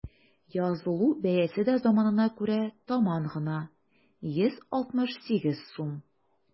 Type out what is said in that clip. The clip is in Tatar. Язылу бәясе дә заманына күрә таман гына: 168 сум.